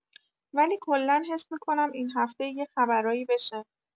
ولی کلا حس می‌کنم این هفته یه خبرایی بشه